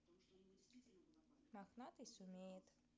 мохнатый сумеет